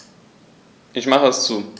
Ich mache es zu.